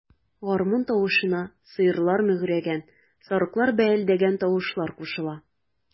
Гармун тавышына сыерлар мөгрәгән, сарыклар бәэлдәгән тавышлар кушыла.